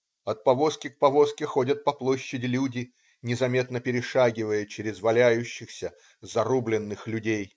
От повозки к повозке ходят по площади люди, незаметно перешагивая через валяющихся, зарубленных людей.